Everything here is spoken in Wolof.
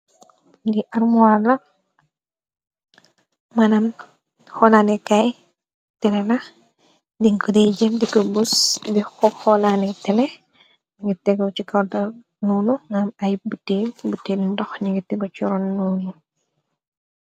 Di armoala mënam xolaane kaay tele la dingo dey jém diko bos di xog xoolaane téle ningi tego ci kordanounu ngam ay bute bute li ndox ningi tego ci ronnooni.